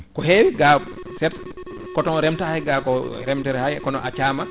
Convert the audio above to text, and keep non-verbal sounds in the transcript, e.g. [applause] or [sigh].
ko hewi [noise] seto coton remtahe ga ko reemdetake kono athiama